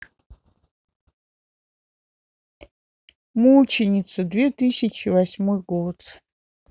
мученица две тысячи восьмой год